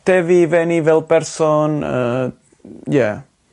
tefu i fynny fel person yy ie.